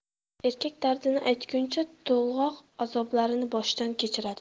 erkak dardini aytguncha to'lg'oq azoblarini boshidan kechiradi